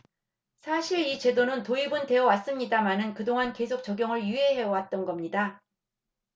사실 이 제도는 도입은 되어 왔습니다마는 그동안 계속 적용을 유예해 왔던 겁니다